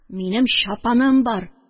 Минем чапаным бар!